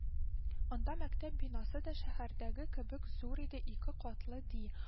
Анда мәктәп бинасы да шәһәрдәге кебек зур иде, ике катлы ди